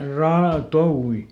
- touvi